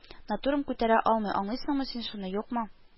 Натурам күтәрә алмый, аңлыйсыңмы син шуны, юкмы